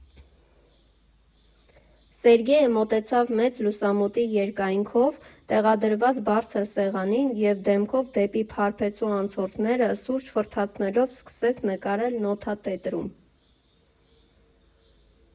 Սերգեյը մոտեցավ մեծ լուսամուտի երկայնքով տեղադրված բարձր սեղանին և դեմքով դեպի Փարպեցու անցորդները՝ սուրճը ֆռթացնելով սկսեց նկարել նոթատետրում։